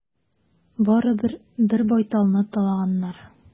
Барыбер, бер байталны талаганнар.